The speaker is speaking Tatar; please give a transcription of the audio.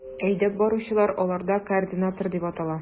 Әйдәп баручылар аларда координатор дип атала.